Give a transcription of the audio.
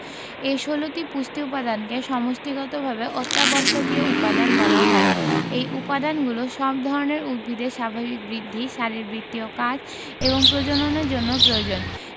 এ ১৬টি পুষ্টি উপাদানকে সমষ্টিগতভাবে অত্যাবশ্যকীয় উপাদান বলা হয় এই উপাদানগুলো সব ধরনের উদ্ভিদের স্বাভাবিক বৃদ্ধি শারীরবৃত্তীয় কাজ এবং প্রজননের জন্য প্রয়োজন